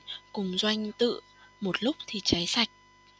cùng doanh tự một lúc thì cháy sạch